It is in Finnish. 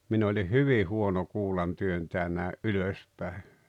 minä olin hyvin huono kuulantyöntäjä näin ylös päin